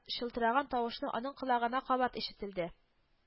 Чылтыраган тавышны аның колагына кабат ишетелде